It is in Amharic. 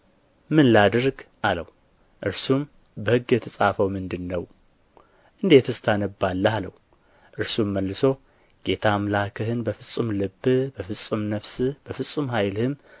ምን ላድርግ አለው እርሱም በሕግ የተጻፈው ምንድር ነው እንዴትስ ታነባለህ አለው እርሱም መልሶ ጌታ አምላክህን በፍጹም ልብህ በፍጹም ነፍስህም በፍጹም ኃይልህም